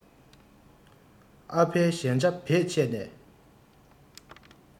ཨ ཕའི གཞན ཆ བེད སྤྱད ནས